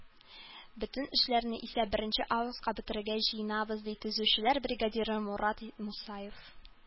Бөтен эшләрне исә беренче августка бетерергә җыенабыз, - ди төзүчеләр бригадиры Мурат Мусаев.